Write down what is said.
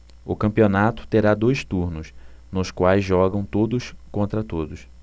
o campeonato terá dois turnos nos quais jogam todos contra todos